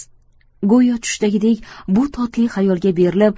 go'yo tushdagidek bu totli xayolga berilib